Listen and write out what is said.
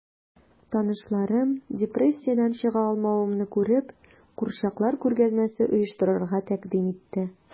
Танышларым, депрессиядән чыга алмавымны күреп, курчаклар күргәзмәсе оештырырга тәкъдим итте...